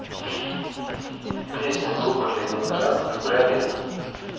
песня группы ленинград кабриолет